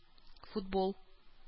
Футбол